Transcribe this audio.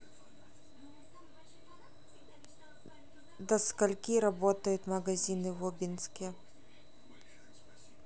до скольки работают магазины в обинске